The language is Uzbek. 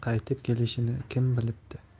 qaytib kelishini kim bilibdi